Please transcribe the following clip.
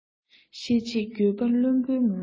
ཤེས རྗེས འགྱོད པ བླུན པོའི ངང ཚུལ